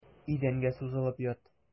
Идәнгә сузылып ят.